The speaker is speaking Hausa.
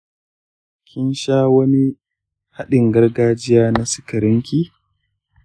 kin sha wani haɗin gargajiya na sikarin ki?